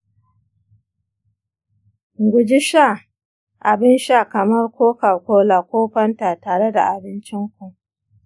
guji sha abin sha kamar koka-kola ko fanta tare da abincinku.